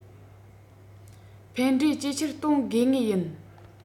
ཕན འབྲས ཇེ ཆེར གཏོང དགོས ངེས ཡིན